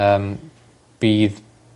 Yym bydd